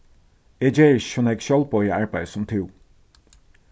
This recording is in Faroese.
eg geri ikki so nógv sjálvboðið arbeiði sum tú